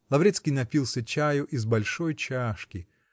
Лаврецкий напился чаю из большой чашки